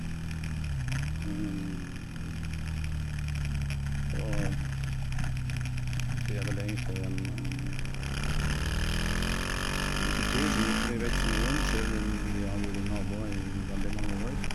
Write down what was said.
Og de er vel egentlig en en kultur som ikke vi vet så mye om selv vim vi har vore naboer i veldig mange år.